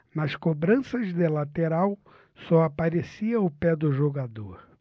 nas cobranças de lateral só aparecia o pé do jogador